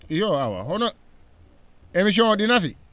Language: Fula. yo awa émission oo ?i nafi